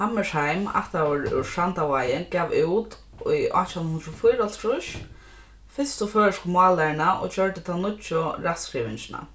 hammershaimb ættaður úr sandavági gav út í átjan hundrað og fýraoghálvtrýss fyrstu føroysku mállæruna gjørdi ta nýggju rættskrivingina